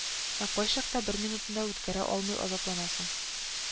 Ә кайчакта, бер минутны да үткәрә алмый азапланасың